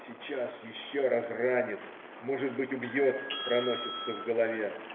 "Сейчас еще раз ранит, может быть, убьет",- проносится в голове.